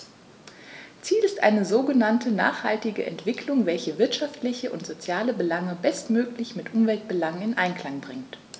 Ziel ist eine sogenannte nachhaltige Entwicklung, welche wirtschaftliche und soziale Belange bestmöglich mit Umweltbelangen in Einklang bringt.